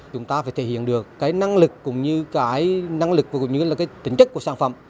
chúng ta phải thể hiện được cái năng lực cũng như cái năng lực và cũng như là cáí tính chất của sản phẩm